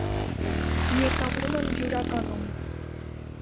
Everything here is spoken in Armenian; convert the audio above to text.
Ես ապրում եմ Բյուրականում։